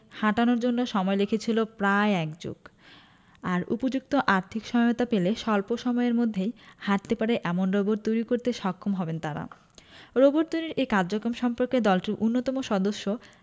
হাঁটানোর জন্য সময় লেগেছিল প্রায় এক যুগ আর উপযুক্ত আর্থিক সহায়তা পেলে সল্প সময়ের মধ্যেই হাঁটতে পারে এমন রোবট তৈরি করতে সক্ষম হবেন তারা রোবট তৈরির এ কার্যক্রম সম্পর্কে দলটির অন্যতম সদস্য